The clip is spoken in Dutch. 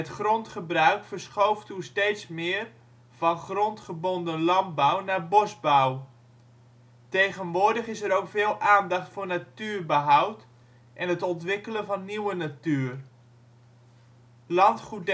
grondgebruik verschoof toen steeds meer van grondgebonden landbouw naar bosbouw. Tegenwoordig is er ook veel aandacht voor natuurbehoud en het ontwikkelen van nieuwe natuur. Landgoed